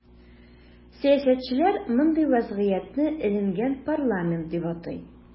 Сәясәтчеләр мондый вазгыятне “эленгән парламент” дип атый.